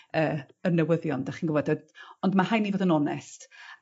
yy y newyddion 'dach chi'n gwbod yy ond ma' rhaid ni fod yn onest.